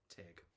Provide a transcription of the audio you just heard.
Teg.